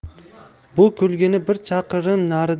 bu kulgini bir chaqirim